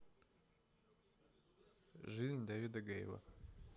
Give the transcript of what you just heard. жизнь дэвида гейла